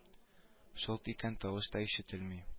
Шылт иткән тавыш та ишетелми